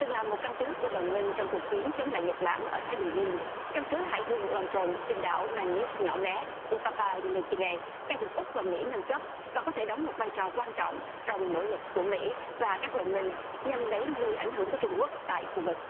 từng là một căn cứ của đồng minh trong cuộc chiến chống lại nhật bản ở thái bình dương căn cứ hải quân lon ton trên đảo mà nước nhỏ bé của ô pa pa niu ki nê dang được úc và mỹ nâng cấp và có thể đóng một vai trò quan trọng trong nỗ lực của mỹ và các đồng minh nhằm đẩy lùi ảnh hưởng của trung quốc tại khu vực